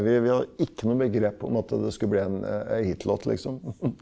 vi vi hadde ikke noe begrep om at det skulle bli en hitlåt liksom.